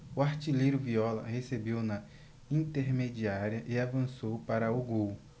o artilheiro viola recebeu na intermediária e avançou para o gol